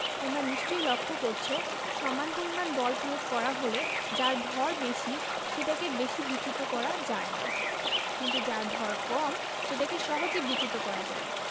তোমরা নিশ্চয়ই লক্ষ করছ সমান পরিমাণ বল প্রয়োগ করা হলে যার ভর বেশি সেটাকে বেশি বিচ্যুত করা যায় না কিন্তু যার ভয় কম সেটাকে সহজে বিচ্যুত করা যায়